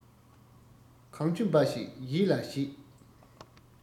གངས ཆུ འབའ ཞིག ཡིད ལ བྱེད